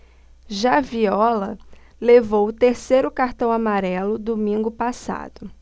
já viola levou o terceiro cartão amarelo domingo passado